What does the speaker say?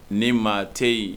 Ni maa tɛ yen